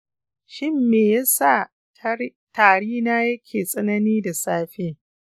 shin me yasa tarina yake tsanani da safe?